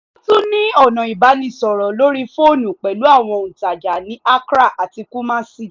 Wọ́n tún ní ọ̀nà ìbánisọ̀rọ̀ lórí fóònù pẹ̀lú àwọn òǹtajà ní Accra àti Kumasi.